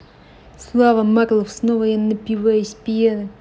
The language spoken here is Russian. slava marlow снова я напиваюсь пьяным